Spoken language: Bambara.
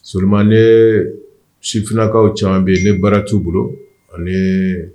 Soman ne siffininakaw caman bɛ ne bara t tu bolo ani